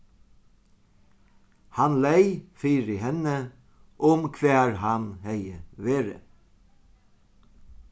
hann leyg fyri henni um hvar hann hevði verið